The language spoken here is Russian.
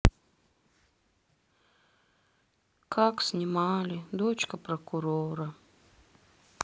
как снимали дочка прокурора